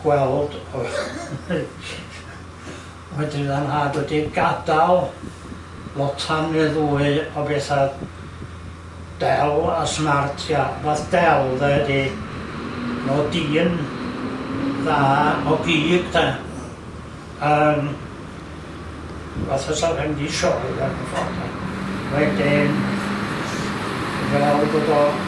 gweld wedyn fydda nhad wedi gadal lotan neu ddwy o betha del a smart ia wbath del de ydi bo' gyno fo din dda o gig de? Yym wbath fysa mynd i sioe de mewn ffordd de? Wedyn fel bod o,